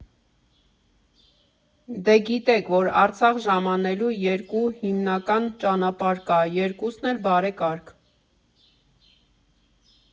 Դե գիտեք, որ Արցախ ժամանելու երկու հիմնական ճանապարհ կա, երկուսն էլ բարեկարգ։